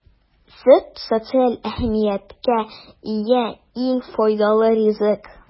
Сөт - социаль әһәмияткә ия иң файдалы ризык.